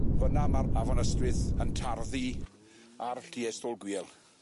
Fyn 'na ma'r Afon Ystwyth yn tarddu ar Lluestol Gwiel.